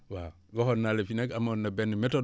waaw waxoon naa la fii nag amoon na benn méthode